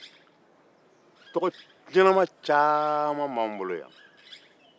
tɔgɔ ɲɛnama caman b'anw bolo yan